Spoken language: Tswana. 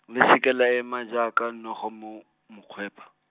le seka la ema jaaka noga mo, mokwepa.